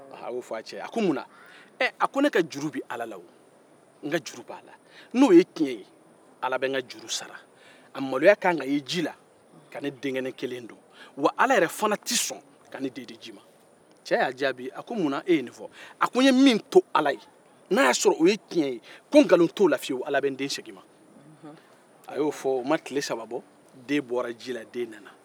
a y'o fɔ a cɛ ye o ku munna a ko ne ka juru be ala la o n ka juru b'a la n'o ye tiɲɛ ye ala be n ka juru sara a maloya ka kan ka kɛ ji la ka ne denkɛnin kelen dun ala yɛrɛ fana tɛ sɔn ka ne den di ji ma cɛ y'a jaabi ko munna e ye nin fɔ a ko n ye min to ala ye n' o ye tiɲɛ ye ko nkalon t'o la fiyewu ala bɛ n den segin n ma a y'o fɔ o ma tile saba kɔ den bɔra ji la den nana